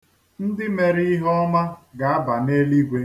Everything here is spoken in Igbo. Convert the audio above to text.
Ndị mere ihe ọma ga-aba n'eligwe.